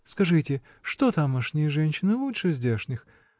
Скажите, что тамошние женщины — лучше здешних?